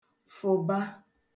fụ̀ba